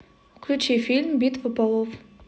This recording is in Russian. включи фильм битва полов